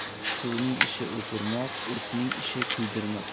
suvning ishi o'pirmoq o'tning ishi kuydirmoq